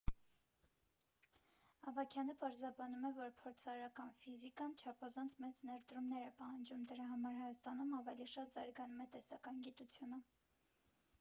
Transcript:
Ավագյանը պարզաբանում է, որ փորձարարական ֆիզիկան չափազանց մեծ ներդրումներ է պահանջում, դրա համար Հայաստանում ավելի շատ զարգանում է տեսական գիտությունը։